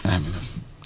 amiin amiin